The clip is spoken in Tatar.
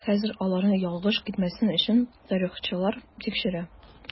Хәзер аларны ялгыш китмәсен өчен тарихчылар тикшерә.